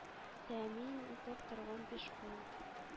Тәэмин итеп торган биш күл)